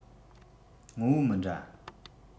ངོ བོ མི འདྲ